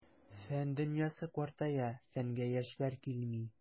Фән дөньясы картая, фәнгә яшьләр килми.